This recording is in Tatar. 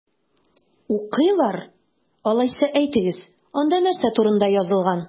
Укыйлар! Алайса, әйтегез, анда нәрсә турында язылган?